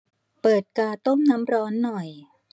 เปิดกาต้มน้ำร้อนหน่อย